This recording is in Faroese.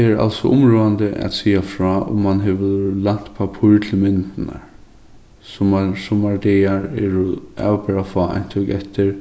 tað er altso umráðandi at siga frá um man hevur lænt pappír til myndirnar summar dagar eru avbera fá eintøk eftir